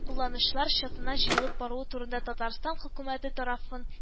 Кулланучылар счетына җыелып баруы турында татарстан хөкүмәте тарафын